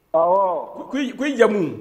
Ɔwɔ. k k'i jamu?